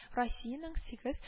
Россиянең сигез